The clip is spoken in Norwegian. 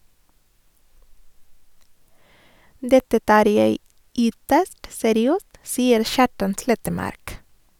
Dette tar jeg ytterst seriøst, sier Kjartan Slettemark.